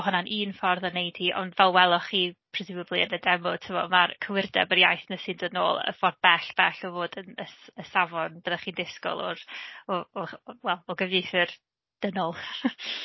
'Ma hwnna'n un ffordd o neud hi, ond fel weloch chi, presumably yn y demo timod, ma'r cywirdeb yr iaith 'na sy'n dod nôl yn ffordd bell bell o fod yn y s- y safon fyddwch chi'n disgwyl o'r o o o wel o gyfieithwyr dynol .